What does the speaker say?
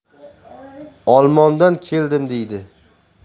olmondan keldim deydi